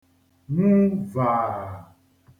nwu vàà